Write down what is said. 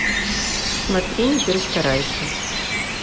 смотри не перестарайся